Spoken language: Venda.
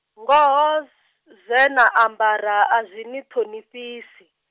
ngoho zwena ambara a zwi ni ṱhonifhisi.